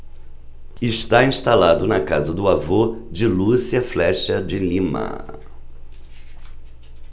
está instalado na casa do avô de lúcia flexa de lima